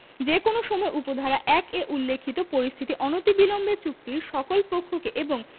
যে কোন সময় উপ ধারা ১ এ উল্লেখিত পরিস্থিতি অনতিবিলম্বে চুক্তির সকল পক্ষকে এবং